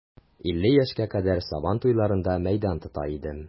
Илле яшькә кадәр сабан туйларында мәйдан тота идем.